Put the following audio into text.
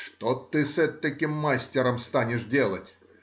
Что ты с этаким мастером станешь делать?